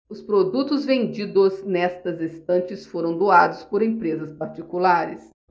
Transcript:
os produtos vendidos nestas estantes foram doados por empresas particulares